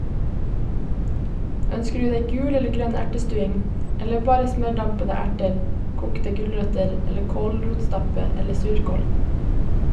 Ønsker du deg gul eller grønn ertestuing - eller bare smørdampede erter, kokte gulrøtter eller kålrotstappe eller surkål?